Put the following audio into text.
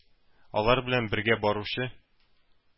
Алар белән бергә баручы